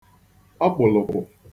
ọkpụ̀lụ̀kpụ̀